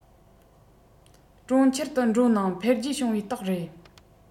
གྲོང ཁྱེར དུ འགྲོ ནང འཕེལ རྒྱས བྱུང བའི རྟགས རེད